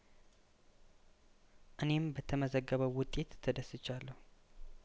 እኔም በተመዘገበው ውጤት ተደስቻለሁ